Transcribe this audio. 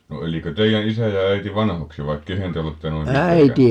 no elikö teidän isä ja äiti vanhoiksi vai keneen te olette noin pitkäikäinen